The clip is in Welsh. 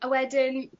A wedyn